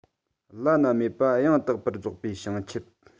བླ ན མེད པ ཡང དག པར རྫོགས པའི བྱང ཆུབ